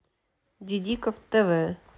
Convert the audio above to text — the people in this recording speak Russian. дидика тв